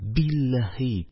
Билләһи!